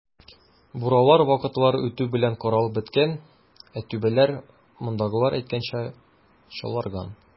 Буралар вакытлар үтү белән каралып беткән, ә түбәләр, мондагылар әйткәнчә, "чаларган".